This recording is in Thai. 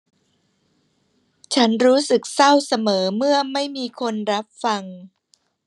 ฉันรู้สึกเศร้าเสมอเมื่อไม่มีคนรับฟัง